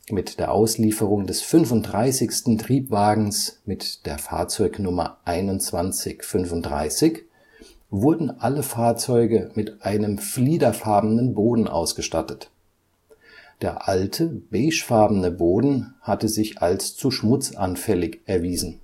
Mit der Auslieferung des 35. Triebwagens mit der Fahrzeugnummer 2135 wurden alle Fahrzeuge mit einem fliederfarbenen Boden ausgestattet. Der alte beigefarbene Boden hatte sich als zu schmutzanfällig erwiesen